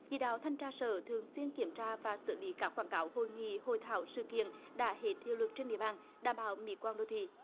chỉ đạo thanh tra sở thường xuyên kiểm tra và xử lý các quảng cáo hội nghị hội thảo sự kiện đã hết hiệu lực trên địa bàn đảm bảo mỹ quan đô thị